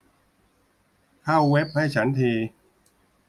เข้าเว็บให้ฉันที